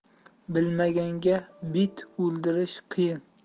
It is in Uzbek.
bilmaganga bit o'ldirish qiyin